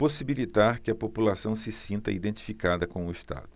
possibilitar que a população se sinta identificada com o estado